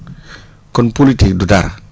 kon politique du dara